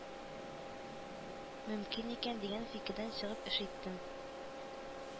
Мөмкин икән, дигән фикердән чыгып эш иттем